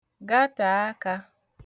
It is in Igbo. gatè akā